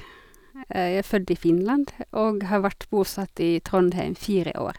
Jeg er født i Finland og har vært bosatt i Trondheim fire år.